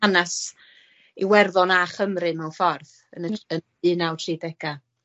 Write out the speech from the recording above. Hanas Iwerddon a Chymru mewn ffordd yn y tr- yn un naw tri dega.